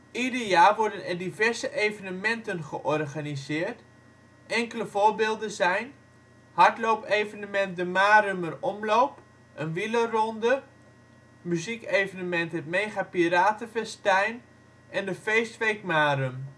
Ieder jaar worden er diverse evenementen georganiseerd. Enkele voorbeelden zijn: hardloopevenement De Marummer Omloop, een wielerronde, muziekevenement Het Mega Piratenfestijn en de Feestweek Marum